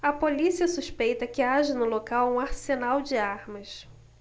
a polícia suspeita que haja no local um arsenal de armas